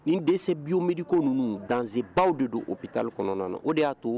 Nin déchets biomédicaux ninnu danger baw de don hôpital kɔnɔna na o de y'a to